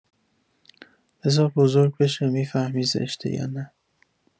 بزار بزرگ بشه می‌فهمی زشته یا نه